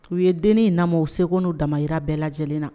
U ye dennin in lamɔ u seko n'u damayira bɛɛ lajɛlen na.